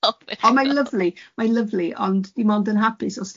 Ond mai'n lyfli, mai'n lyfli ond di mond yn hapus os di'n